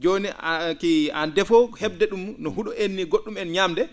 jooni a qui en défaut ko he?de ?um no hu?o en nii go??um en ñaamde